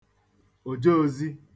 oje ozi